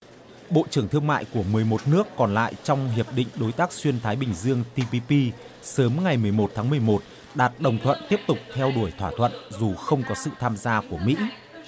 bộ trưởng thương mại của mười một nước còn lại trong hiệp định đối tác xuyên thái bình dương ti bi bi sớm ngày mười một tháng mười một đạt đồng thuận tiếp tục theo đuổi thỏa thuận dù không có sự tham gia của mỹ